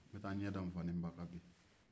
n bɛ taa n ɲɛ da n fa ni n ba kan